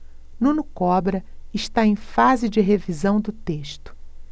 nuno cobra está em fase de revisão do texto